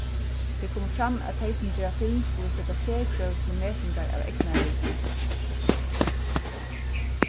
tað er komið fram at tey sum gera film skulu seta serkrøv til metingar av egnari list